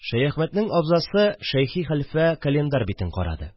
Шәяхмәтнең абзасы Шәйхи хәлфә календарь битен карады